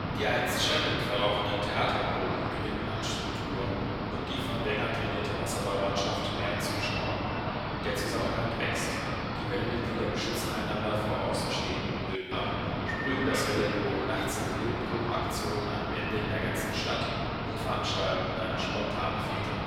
Die einst schleppend verlaufenden Theaterproben gewinnen an Struktur und die von Wenger trainierte Wasserballmannschaft mehr Zuschauer. Der Zusammenhalt wächst, die Welle-Mitglieder beschützen einander vor außenstehenden Pöblern, sprühen das Welle-Logo nachts in wilden Gruppenaktionen an Wände in der ganzen Stadt und veranstalten eine spontane Fete